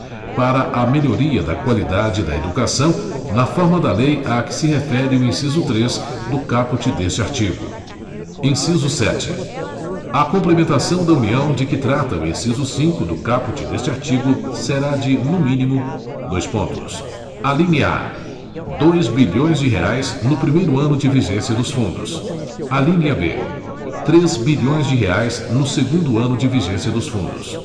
para a melhoria da qualidade da educação na forma da lei a que se refere o inciso três do caput deste artigo inciso sete a complementação da união de que trata o inciso cinco do caput deste artigo será de no mínimo dois pontos alínea a reais duzentos bilhões dois bilhões de reais no primeiro ano de vigência dos fundos alínea b reais trezentos bilhões três bilhões de reais no segundo ano de vigência dos fundos